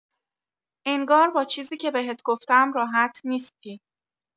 انگار با چیزی که بهت گفتم راحت نیستی.